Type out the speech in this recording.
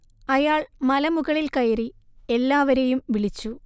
അയാൾ മലമുകളിൽ കയറി എല്ലാവരെയും വിളിച്ചു